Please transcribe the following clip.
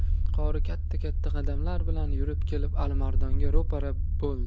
qori katta katta qadamlar bilan yurib kelib alimardonga ro'para bo'ldi